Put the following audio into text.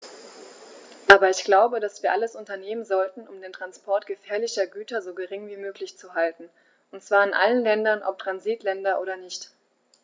Aber ich glaube, dass wir alles unternehmen sollten, um den Transport gefährlicher Güter so gering wie möglich zu halten, und zwar in allen Ländern, ob Transitländer oder nicht.